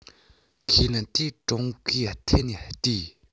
ཁས ལེན དེ ཀྲུང གོའི ཐད ནས བལྟས